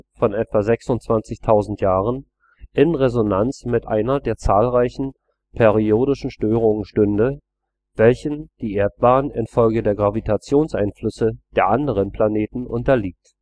von etwa 26000 Jahren in Resonanz mit einer der zahlreichen periodischen Störungen stünde, welchen die Erdbahn infolge der Gravitationseinflüsse der anderen Planeten unterliegt